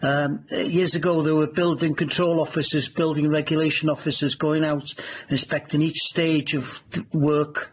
Erm, years ago there were building control officers, building regulation officers going out inspecting each stage of work,